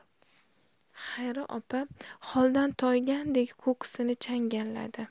xayri opa holdan toygandek ko'ksini changalladi